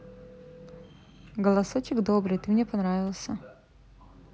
голосочек добрый ты мне понравился